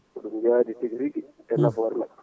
ko ɗum yaadi tigui rigui nafoore mabɓe